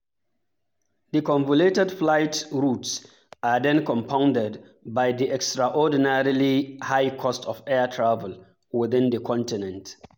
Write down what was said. The convoluted flight routes are then compounded by the extraordinarily high cost of air travel within the continent.